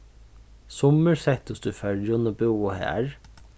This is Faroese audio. summir settust í føroyum og búðu har